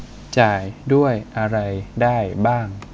จ่ายด้วยอะไรได้บ้าง